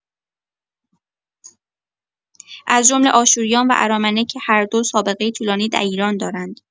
از جمله آشوریان و ارامنه که هر دو سابقه طولانی در ایران دارند.